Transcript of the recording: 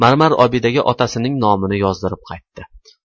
marmar obidaga otasining nomini yozdirib qaytdi